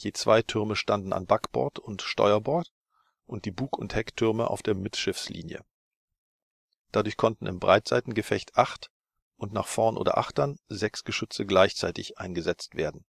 zwei Türme standen an Backbord und Steuerbord und die Bug - und Hecktürme auf der Mittschiffslinie. Dadurch konnten im Breitseitengefecht acht und nach vorn oder achtern sechs Geschütze gleichzeitig eingesetzt werden